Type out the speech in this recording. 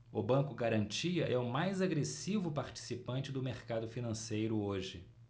o banco garantia é o mais agressivo participante do mercado financeiro hoje